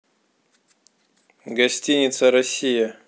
гостиница россия